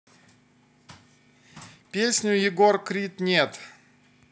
песню егор крид нет